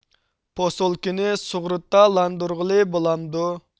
پوۇسلكىنى سۇغۇرتالاندرۇغىلى بولامدۇ